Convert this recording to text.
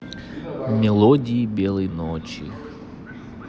мелодии белой ночи